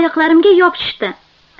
oyoqlarimga yopishishdi